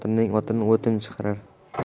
xotinning otini o'tin chiqarar